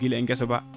guila e guesa ba